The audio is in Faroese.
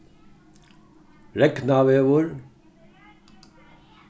regnavegur